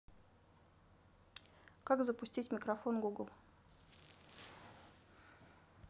как запустить микрофон google